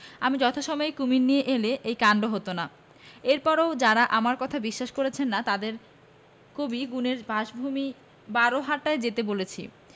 আমি যথাসময়ে কুমীর নিয়ে এলে এই কান্ড হত না এর পরেও যারা আমার কথা বিশ্বাস করছেন না তাঁদের কবি গুণের বাসভূমি বারহাট্টায় যেতে বলছি